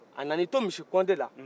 a nan'i to misi compte la